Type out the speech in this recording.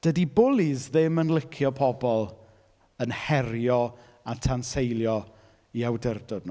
Dydi bwlis ddim yn licio pobl yn herio a tanseilio eu awdurdod nhw.